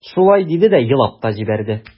Шулай диде дә елап та җибәрде.